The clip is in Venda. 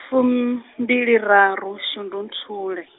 fum- -mbiliraru shundunthule .